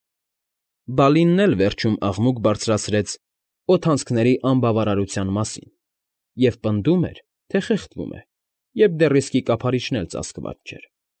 Բալինն էլ վերջում աղմուկ բարձրացրեց օդանցքների անբավարարության մասին և պնդում էր, թե խեղդվում է, երբ դեռ իսկի կափարիչն էլ ծածկված չէր։